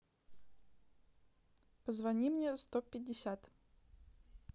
позвони мне сто пятьдесят